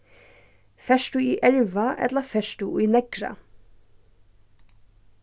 fert tú í erva ella fert tú í neðra